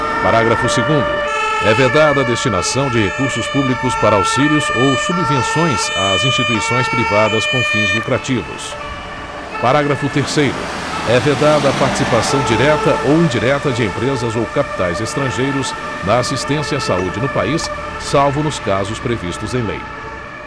parágrafo segundo é vedada a destinação de recursos públicos para auxílios ou subvenções às instituições privadas com fins lucrativos parágrafo terceiro é vedada a participação direta ou indireta de empresas ou capitais estrangeiros na assistência à saúde no país salvo nos casos previstos em lei